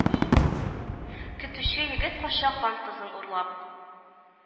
Көтүче егет кача хан кызын урлап